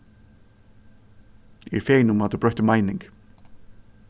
eg eri fegin um at tú broytti meining